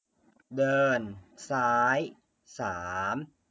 เดินซ้ายสาม